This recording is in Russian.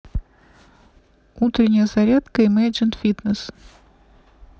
утренняя зарядка имейджен фитнес